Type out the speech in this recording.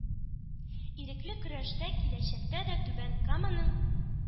Ирекле көрәштә киләчәктә дә түбән каманың